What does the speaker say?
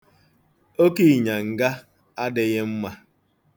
Oke ịnyanga adịghị mma.